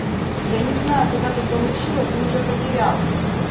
я не знаю куда ты получила ты уже потерял